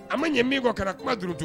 A ma ɲɛ min kɔ ka duurutu